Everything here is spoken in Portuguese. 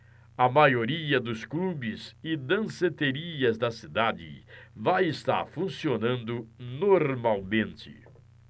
a maioria dos clubes e danceterias da cidade vai estar funcionando normalmente